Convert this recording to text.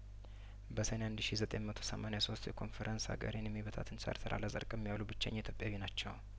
በሰኔ አንድ ሺ ዘጠኝ መቶ ሰማኒያ ሶስት ኮንፈረንስ አገሬን የሚበታትን ቻርተር አላጸድቅም ያሉ ብቸኛ ኢትዮጵያዊ ናቸው